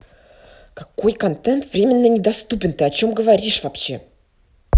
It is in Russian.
какой контент временно недоступен ты о чем говоришь вообще